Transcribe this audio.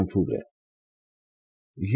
Համբուրեն։